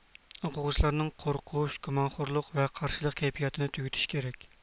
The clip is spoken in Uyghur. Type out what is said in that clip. تاغام بۇ قېتىم زاۋۇتتا ئۆتكۈزۈلگەن تېخنىكا مۇسابىقىسىدە چېمپىيون بولدى